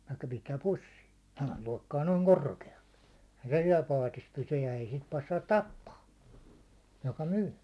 että pistää pussiin sehän loikkaa noin korkealle eihän se siellä paatissa pysy ja ei sitä passaa tappaa joka myy